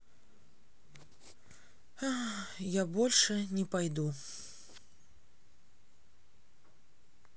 я больше не пойду